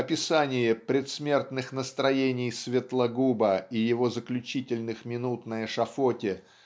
описание предсмертных настроений Светлогуба и его заключительных минут на эшафоте